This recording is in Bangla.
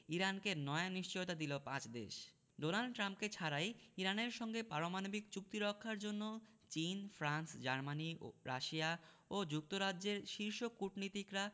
ইরানকে নয়া নিশ্চয়তা দিল পাঁচ দেশ ডোনাল্ড ট্রাম্পকে ছাড়াই ইরানের সঙ্গে পারমাণবিক চুক্তি রক্ষার জন্য চীন ফ্রান্স জার্মানি রাশিয়া ও যুক্তরাজ্যের শীর্ষ কূটনীতিকরা